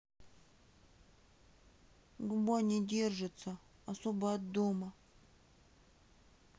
губа не держится особо от дома